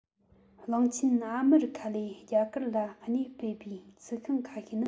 གླིང ཆེན ཨ མེ རི ཁ ལས རྒྱ གར ལ གནས སྤོས པའི རྩི ཤིང ཁ ཤས ནི